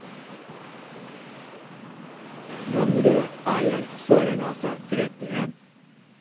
Jon Rød eier Søregata 31.